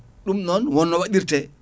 ɗum noon wonno waɗirte